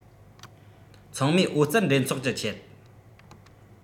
ཚང མས ཨོ རྩལ འགྲན ཚོགས ཀྱི ཆེད